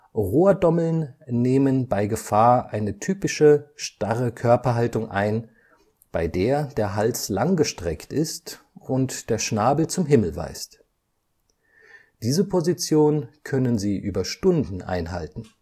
Rohrdommeln nehmen bei Gefahr eine typische starre Körperhaltung ein, bei der der Hals lang gestreckt ist und der Schnabel zum Himmel weist. Diese Position können sie über Stunden einhalten